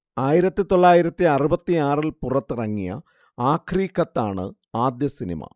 ആയിരത്തിത്തൊള്ളായിരത്തി അറുപത്തി ആറില്‍ പുറത്തിറങ്ങിയ 'ആഖ്രി ഖത്താ' ണ് ആദ്യ സിനിമ